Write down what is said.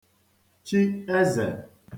chi ẹzè